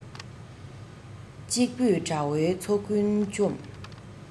གཅིག པུས དགྲ བོའི ཚོགས ཀུན བཅོམ